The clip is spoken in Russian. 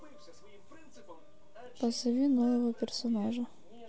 позови нового персонажа